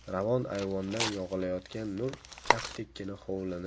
ravon ayvondan yog'ilayotgan nur kaftdekkina hovlini